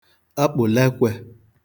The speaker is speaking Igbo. akpụ̀leekwe